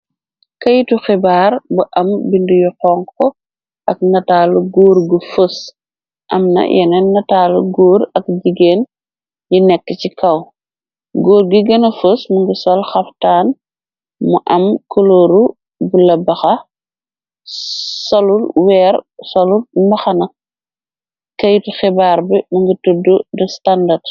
Keytu xibaar bu am binduyu xoŋku ak nataalu guur gu fos amna yeneen nataalu góur ak jigeen yi nekk ci kaw góur gi gëna fos mu ngi sol xaftaan mu am kolooru bu la baxa solul weer solul mbaxana keytu xibaar bi mu ngi tudd de standard.